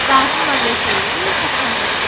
và xin mời nghệ sĩ thanh hằng